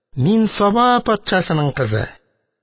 Мин - Саба патшасының кызы.